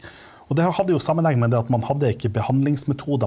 og det hadde jo sammenheng med det at man hadde ikke behandlingsmetoder.